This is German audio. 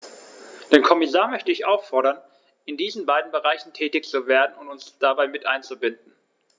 Den Kommissar möchte ich auffordern, in diesen beiden Bereichen tätig zu werden und uns dabei mit einzubinden.